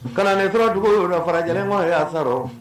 Kalanturadugu ye fara lajɛlenlen ye y'a sara rɔ